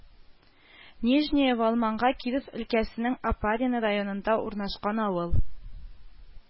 Нижняя Волманга Киров өлкәсенең Опарино районында урнашкан авыл